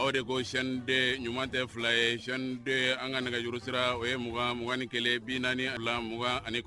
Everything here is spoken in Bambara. O de ko s de ɲuman tɛ fila ye s de an ka nɛgɛur sira o ye 2 2 ni kɛlɛ bin naani a la 2ugan ani kɔnɔ